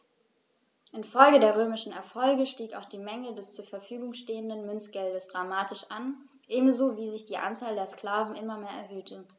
Infolge der römischen Erfolge stieg auch die Menge des zur Verfügung stehenden Münzgeldes dramatisch an, ebenso wie sich die Anzahl der Sklaven immer mehr erhöhte.